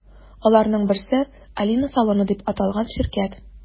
Аларның берсе – “Алина салоны” дип аталган ширкәт.